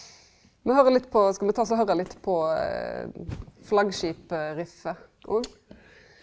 me høyrer litt på skal me ta også høyra litt på flaggskip-riffet òg?